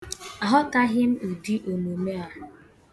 Aghọtaghị m ụdị omume a.